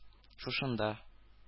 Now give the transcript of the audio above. Шушында